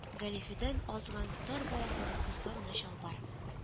Галифедан азган тар балаклы кыска гына чалбар